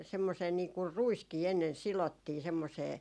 semmoiseen niin kuin ruiskin ennen sidottiin semmoiseen